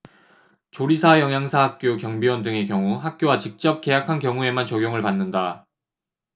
조리사 영양사 학교 경비원 등의 경우 학교와 직접 계약한 경우에만 적용을 받는다